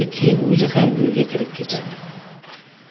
keyin uzi xam yulga kirib ketadi